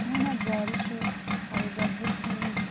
mana bori shu xaridor bir so'mlik